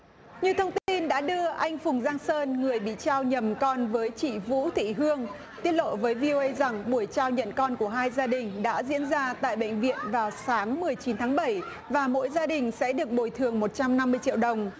như thông tin đã đưa anh phùng giang sơn người bị trao nhầm con với chị vũ thị hương tiết lộ với vi âu ây rằng buổi trao nhận con của hai gia đình đã diễn ra tại bệnh viện vào sáng mười chín tháng bảy và mỗi gia đình sẽ được bồi thường một trăm năm mươi triệu đồng